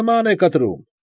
Նման է կտրում։